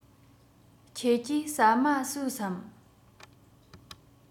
ཁྱེད ཀྱིས ཟ མ ཟོས སམ